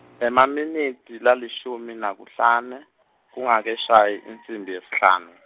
Emaminitsi lalishumi naku hlanu, kungakashayi insimbi yesihlanu.